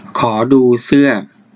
ขอดูเสื้อ